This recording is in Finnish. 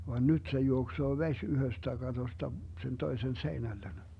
vaan nyt se juoksee vesi yhdestä katosta sen toisen seinälle